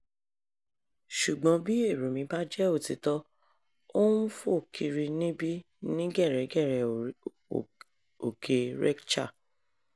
Ṣùgbọ́n bí èrò mi bá jẹ́ òtítọ́, ó ń fò kiri níbi ní gẹ̀rẹ́gẹ̀rẹ́ òkè Rekcha.